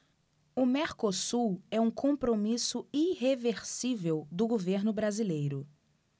o mercosul é um compromisso irreversível do governo brasileiro